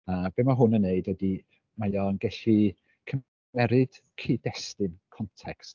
A be ma' hwn yn wneud ydy mae o'n gallu cymeryd cyd-destun, context.